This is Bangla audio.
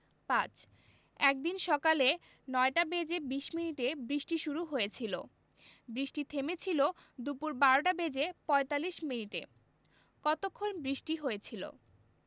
৫ একদিন সকালে ৯টা বেজে ২০ মিনিটে বৃষ্টি শুরু হয়েছিল বৃষ্টি থেমেছিল দুপুর ১২টা বেজে ৪৫ মিনিটে কতক্ষণ বৃষ্টি হয়েছিল